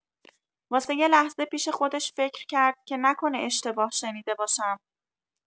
واسه یه لحظه پیش خودش فکر کرد که نکنه اشتباه شنیده باشم؟